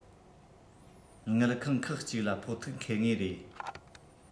དངུལ ཁང ཁག གཅིག ལ ཕོག ཐུག ཁེལ ངེས རེད